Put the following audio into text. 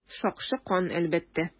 Шакшы кан, әлбәттә.